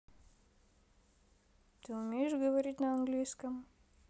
ты умеешь говорить на английском